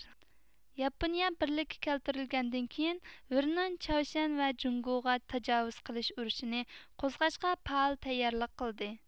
ياپونىيە بىرلىككە كەلتۈرۈلگەندىن كېيىن ۋېرنون چاۋشيەن ۋە جۇڭگوغا تاجاۋۇز قىلىش ئۇرۇشىنى قوزغاشقا پائال تەييارلىق قىلدى